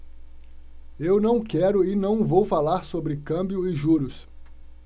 eu não quero e não vou falar sobre câmbio e juros